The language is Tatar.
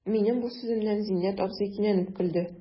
Минем бу сүземнән Зиннәт абзый кинәнеп көлде.